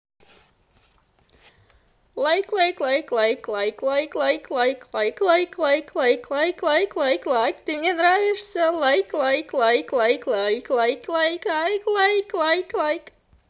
лайк лайк лайк лайк лайк лайк лайк лайк лайк лайк лайк лайк лайк лайк лайк лайк ты мне нравишься лайк лайк лайк лайк лайк лайк ай лайк лайк лайк